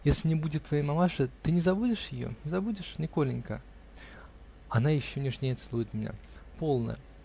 Если не будет твоей мамаши, ты не забудешь ее? не забудешь, Николенька? Она еще нежнее целует меня. -- Полно!